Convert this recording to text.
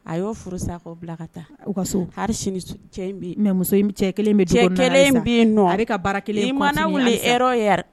A y'o furu sa bila ka taa u ka so cɛ mɛ muso cɛ kelen bɛ cɛ kelen bɛ yen a bɛ ka bara kelen mana yɛrɛ